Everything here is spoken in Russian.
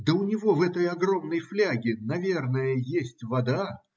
Да у него в этой огромной фляге, наверно, есть вода!